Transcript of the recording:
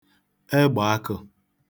egbọ̀àkụ̀